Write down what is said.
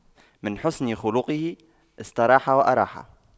من حسن خُلُقُه استراح وأراح